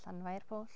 Llanfairpwll